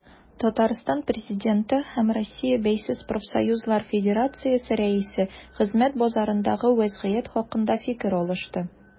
Татарстан Президенты һәм Россия Бәйсез профсоюзлар федерациясе рәисе хезмәт базарындагы вәзгыять хакында фикер алышты.